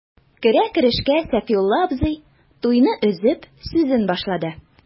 Керә-керешкә Сафиулла абзый, туйны өзеп, сүзен башлады.